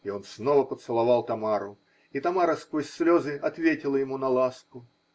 И он снова поцеловал Тамару, и Тамара сквозь слезы ответила ему на ласку.